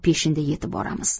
peshinda yetib boramiz